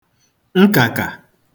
nkàkà